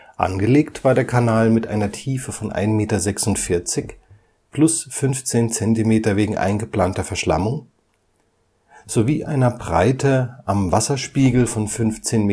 Angelegt war der Kanal mit einer Tiefe von 1,46 Metern (plus 15 Zentimeter wegen eingeplanter Verschlammung) sowie einer Breite am Wasserspiegel von 15,76